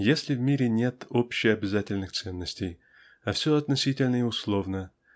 Если в мире нет общеобязательных ценностей а все относительно и условно